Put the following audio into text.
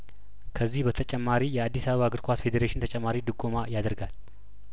ከዚህ በተጨማሪ የአዲስአባ እግር ኳስ ፌዴሬሽን ተጨማሪ ድጐማ ያደርጋል